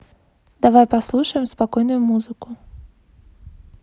давай послушаем спокойную музыку